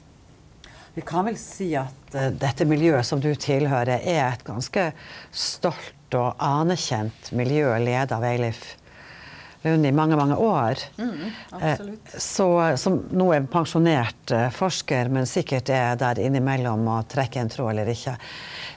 vi kan vel seia at dette miljøet som du tilhøyrer er eit ganske stolt og anerkjent miljø leidde av Eilif Unn i mange mange år så som no er pensjonert forskar men sikkert er der innimellom å trekker ein tråd eller ikkje.